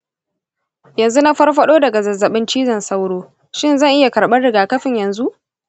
yanzu na farfaɗo daga zazzabin cizon sauro, shin zan iya karɓar rigakafin yanzu?